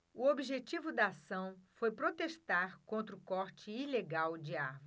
o objetivo da ação foi protestar contra o corte ilegal de árvores